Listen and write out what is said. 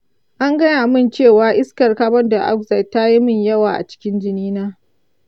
an gaya min cewa iskar carbon dioxide ta yi yawa a cikin jinina.